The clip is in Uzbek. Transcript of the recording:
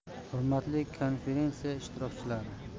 hurmatli konferensiya ishtirokchilari